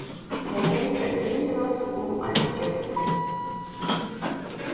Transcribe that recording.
tær ganga í ringrás um eina stjørnu